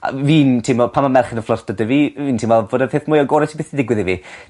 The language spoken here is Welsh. a fi'n teimlo pan ma' merched yn fflyrto 'da fi fi'n teimlo bod y peth mwya gore sy byth 'di digwydd i fi.